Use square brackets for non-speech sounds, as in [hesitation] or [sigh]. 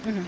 [hesitation] [hesitation]